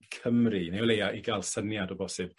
Cymru neu o leia i ga'l syniad o bosib